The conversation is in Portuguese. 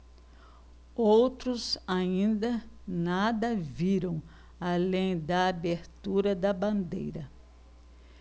outros ainda nada viram além da abertura da bandeira